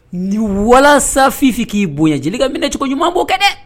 Ni walasasa fifin k'i bonya jeli ka minɛcogo ɲuman'o kɛ dɛ